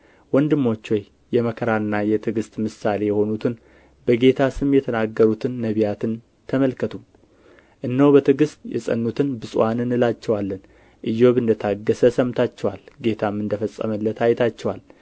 ወንድሞች ሆይ የመከራና የትዕግሥት ምሳሌ የሆኑትን በጌታ ስም የተናገሩትን ነቢያትን ተመልከቱ እነሆ በትዕግሥት የጸኑትን ብፁዓን እንላቸዋለን ኢዮብ እንደ ታገሠ ሰምታችኋል ጌታም እንደ ፈጸመለት አይታችኋል